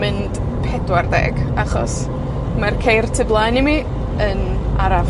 mynd pedwar deg, achos, mae'r ceir tu blaen i mi yn araf.